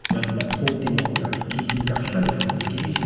Ma' ma' pob dim o hwnna i gyd 'di mynd allan i rhywun i gyfeithu.